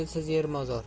elsiz yer mozor